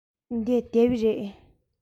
འདི དེབ རེད